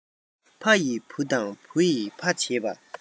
ཕ ཡིས བུ དང བུ ཡིས ཕ བྱེད པ